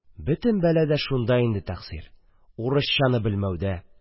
– бөтен бәлә дә шунда инде, тәкъсир... урысчаны белмәүдә!